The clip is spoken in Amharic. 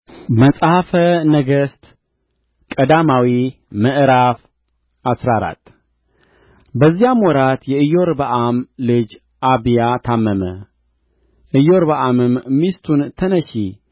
መጽሐፈ ነገሥት ቀዳማዊ ምዕራፍ አስራ አራት በዚያም ወራት የኢዮርብዓም ልጅ አብያ ታመመ ኢዮርብዓምም ሚስቱን ተነሺ